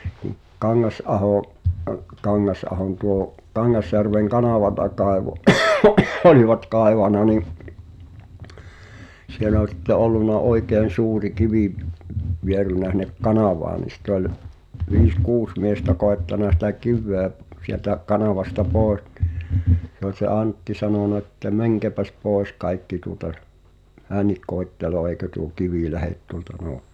- Kangasaho - Kangasahon tuo Kangasjärven kanavaa kaivoi olivat kaivanut niin siellä oli sitten ollut oikein suuri kivi vierinyt sinne kanavaan niin sitä oli viisi kuusi miestä koettanut sitä kiveä sieltä kanavasta pois niin se oli se Antti sanonut että menkääpäs pois kaikki tuota hänkin koettelee eikö tuo kivi lähde tuolta -